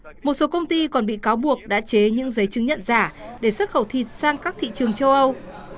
một số công ty còn bị cáo buộc đã chế những giấy chứng nhận giả để xuất khẩu thịt sang các thị trường châu âu